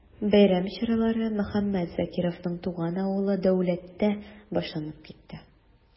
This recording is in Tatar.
Бәйрәм чаралары Мөхәммәт Закировның туган авылы Дәүләттә башланып китте.